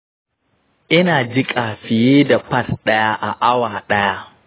ina jiƙa fiye da pad ɗaya a awa ɗaya